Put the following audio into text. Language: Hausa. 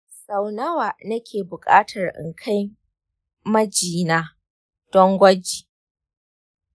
sau nawa nake bukatar in kai majina don gwaji?